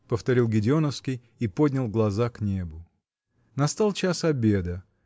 -- повторил Гедеоновский и поднял глаза к небу. Настал час обеда.